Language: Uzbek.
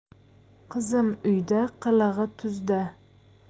qizim uyda qilig'i tuzda